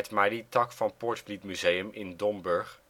Marie Tak van Poortvliet Museum in Domburg